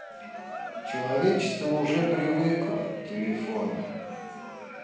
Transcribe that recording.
человечество уже привыкла телефона